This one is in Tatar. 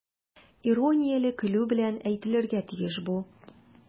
Иронияле көлү белән әйтелергә тиеш бу.